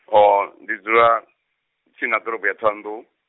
oh ndi dzula, tshini na ḓorobo ya Ṱhohoyanḓou.